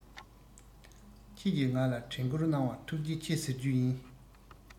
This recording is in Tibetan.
ཁྱེད ཀྱིན ང ལ དྲན ཀུར གནང བར ཐུག ཆེ ཟེར རྒྱུ ཡིན